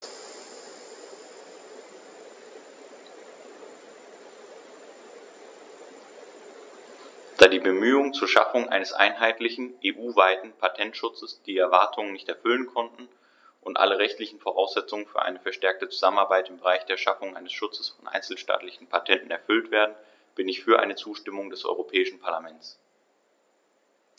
Da die Bemühungen zur Schaffung eines einheitlichen, EU-weiten Patentschutzes die Erwartungen nicht erfüllen konnten und alle rechtlichen Voraussetzungen für eine verstärkte Zusammenarbeit im Bereich der Schaffung eines Schutzes von einzelstaatlichen Patenten erfüllt werden, bin ich für eine Zustimmung des Europäischen Parlaments.